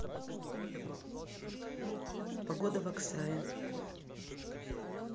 погода в аксае